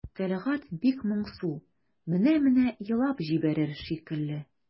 Тәлгать бик моңсу, менә-менә елап җибәрер шикелле.